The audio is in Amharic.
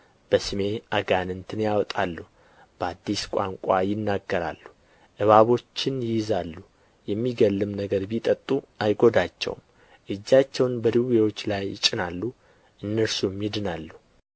በስሜ አጋንንትን ያወጣሉ በአዲስ ቋንቋ ይናገራሉ እባቦችን ይይዛሉ የሚገድልም ነገር ቢጠጡ አይጎዳቸውም እጃቸውን በድውዮች ላይ ይጭናሉ እነርሱም ይድናሉ